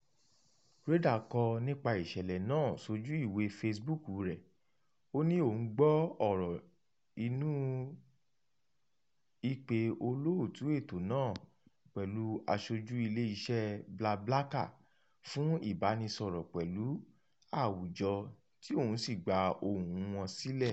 Reyder kọ nípa ìṣẹ̀lẹ̀ náà sójú ìwé Facebook rẹ̀. Ó ní òun gbọ́ ọ̀rọ̀ inú ìpè olóòtú ètò náà pẹ̀lú aṣojú ilé iṣẹ́ BlaBlaCar fún ìbánisọ̀rọ̀ pẹ̀lú àwùjọ tí òun sì gba ohùn-un wọn sílẹ̀: